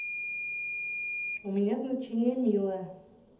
у меня значение милая